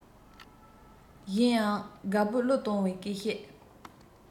གཞན ཡང དགའ པོའི གླུ གཏོང བའི སྐད ཤེད